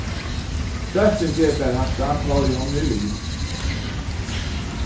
dóttirin ger bara hatta tá ið hon er lin